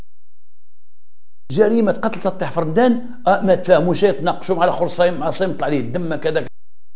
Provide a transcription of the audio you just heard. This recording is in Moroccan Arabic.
جريمه قتل طفلين